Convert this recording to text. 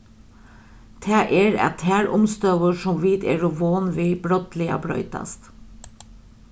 tað er at tær umstøður sum vit eru von við brádliga broytast